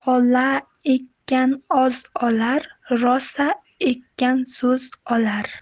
ola ekkan oz olar rosa ekkan soz olar